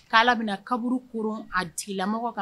K' bɛna kaburu k a dilamɔgɔ kan